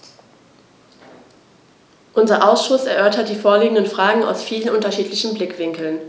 Unser Ausschuss erörtert die vorliegenden Fragen aus vielen unterschiedlichen Blickwinkeln.